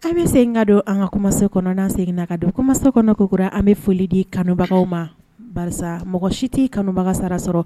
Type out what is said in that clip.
An bɛ se ka don an ka kumase kɔnɔ seginna na ka don komansa kɔnɔ kokura an bɛ foli di kanubagaw ma ba mɔgɔ si t tɛ kanubagasa sɔrɔ